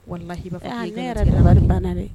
Walahi ne yɛrɛ banna dɛ